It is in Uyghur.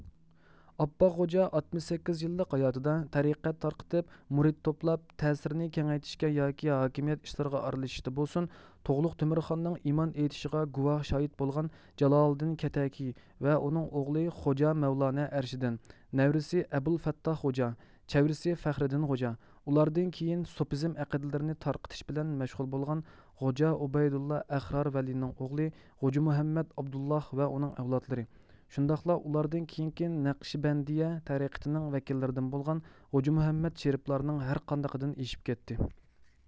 ئاپپاق خوجا ئاتمىش سەككىز يىللىق ھاياتىدا تەرىقەت تارقىتىپ مۇرىت توپلاپ تەسىرىنى كېڭەيتىشتە ياكى ھاكىمىيەت ئىشلىرىغا ئارىلىشىشتا بولسۇن تۇغلۇق تۆمۈرخاننىڭ ئىمان ئېيتىشىغا گۇۋاھ شاھىت بولغان جالالىدىن كەتەكىي ۋە ئۇنىڭ ئوغلى خوجا مەۋلانە ئەرشىدىن نەۋرىسى ئەبۇل فەتتاھ خوجا چەۋرىسى فەخرىدىن خوجا ئۇلاردىن كېيىن سوپىزم ئەقىدىلىرىنى تارقىتىش بىلەن مەشغۇل بولغان خوجا ئۇبەيدۇللا ئەھرار ۋەلىنىڭ ئوغلى خوجا مۇھەممەد ئابدۇللاھ ۋە ئۇنىڭ ئەۋلادلىرى شۇنداقلا ئۇلاردىن كېيىنكى نەقشىبەندىيە تەرىقىتىنىڭ ۋەكىللىرىدىن بولغان خوجا مۇھەممەد شېرىپلارنىڭ ھەر قاندىقىدىن ئېشىپ كەتتى